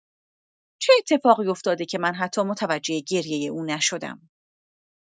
چه اتفاقی افتاده که من حتی متوجه گریه او نشدم؟